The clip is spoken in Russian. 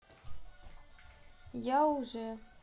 я уже